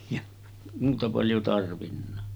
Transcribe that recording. ja muuta paljon tarvinnut